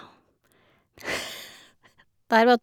Der var t...